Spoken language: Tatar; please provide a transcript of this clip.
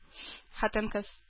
Хатын-кыз